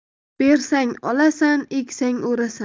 bersang olasan eksang o'rasan